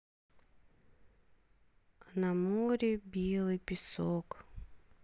а на море белый песок